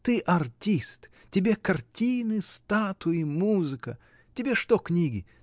— Ты — артист: тебе картины, статуи, музыка. Тебе что книги?